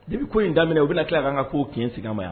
Depuis ko in daminɛ u bɛna tila ka an ka k'ow tiɲɛ segin an ma